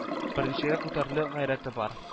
Беренчегә күтәрерлек гайрәте бар